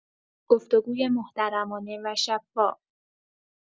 گفت‌وگوی محترمانه و شفاف